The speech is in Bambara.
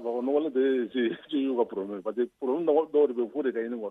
Nɔgɔ bɛ ka pa dɔw de bɛ fɔ de ka ɲini